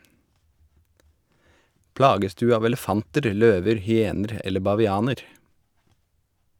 Plages du av elefanter, løver, hyener eller bavianer?